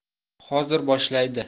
hozir boshlaydi